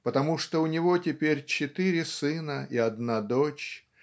потому что у него теперь четыре сына и одна дочь